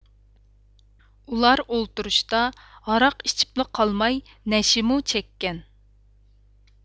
ئۇلار ئولتۇرۇشتا ھاراق ئىچىپلا قالماي نەشىمۇ چەككەن